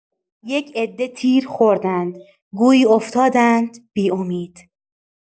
یک عده تیر خوردن گویی، افتاده‌اند بی‌امید.